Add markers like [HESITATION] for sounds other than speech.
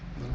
[HESITATION]